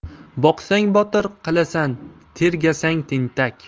boqsang botir qilasan tergasang tentak